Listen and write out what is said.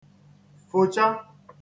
fòcha